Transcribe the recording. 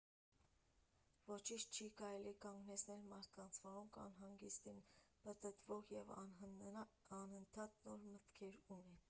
Ոչինչ չի կարող կանգնեցնել մարդկանց, որոնք անհանգիստ են, պրպտող և անընդհատ նոր մտքեր ունեն։